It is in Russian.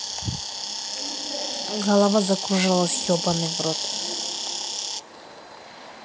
голова закружилась ебаный в рот